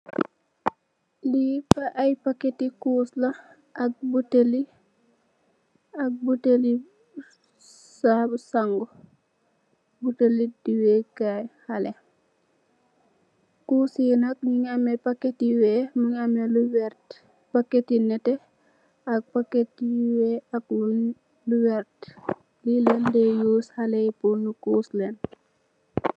Lee aye packete kuss la ak botele ak botele sabu sagu botele deewe kaye haleh kuss ye nak muge ameh packete yu weex muge ameh lu werte packete neteh ak packete yu weex ak lu werte le lan de uss haleh ye purr nu kuss len.